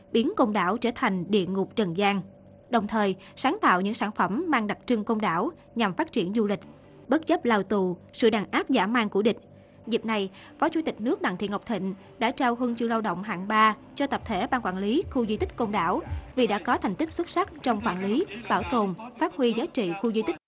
biến côn đảo trở thành địa ngục trần gian đồng thời sáng tạo những sản phẩm mang đặc trưng côn đảo nhằm phát triển du lịch bất chấp lao tù sự đàn áp dã man của địch dịp này phó chủ tịch nước đặng thị ngọc thịnh đã trao huân chương lao động hạng ba cho tập thể ban quản lý khu di tích côn đảo vì đã có thành tích xuất sắc trong quản lý bảo tồn phát huy giá trị khu di tích